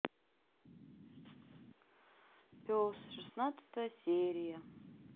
пес шестнадцатая серия